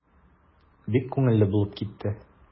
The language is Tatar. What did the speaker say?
Бик күңелле булып китте.